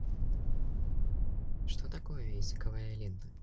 что такое языковая лета